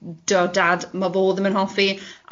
Do- dad, ma' fo ddim yn hoffi.